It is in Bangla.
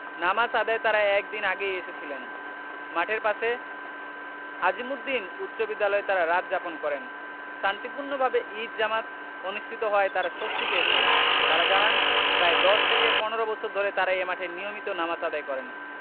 নামাজ আদায়ে তাঁরা এক দিন আগেই এসেছিলেন মাঠের পাশে আজিমুদ্দিন উচ্চবিদ্যালয়ে তাঁরা রাত যাপন করেন শান্তিপূর্ণভাবে ঈদ জামাত অনুষ্ঠিত হওয়ায় তাঁরা স্বস্তি পেয়েছেন তাঁরা জানান প্রায় ১০ থেকে ১৫ বছর ধরে তাঁরা এ মাঠে নিয়মিত নামাজ আদায় করেন